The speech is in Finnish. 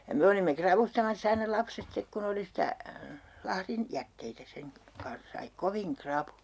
ja me olimme ravustamassa aina lapset sitten kun oli sitä lahdin jätteitä sen - kanssa sai kovin rapuja